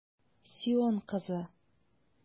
Сион кызы!